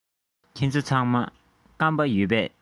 ཁྱེད ཚོ ཚང མར སྐམ པ ཡོད པས